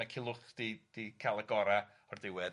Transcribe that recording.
mae Culhwch 'di 'di ca'l y gora' o'r diwedd.